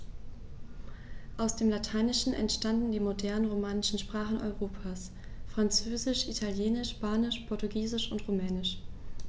Aus dem Lateinischen entstanden die modernen „romanischen“ Sprachen Europas: Französisch, Italienisch, Spanisch, Portugiesisch und Rumänisch.